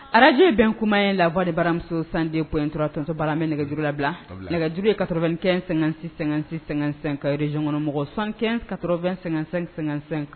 Arajo bɛn kuma la voix de baramuso 102.1 tonton Bala an bɛ nɛgɛjuru labila, a bila, nɛgɛjuru ye 95 56 56 55. région kɔnɔmɔgɔw 75 80 55 55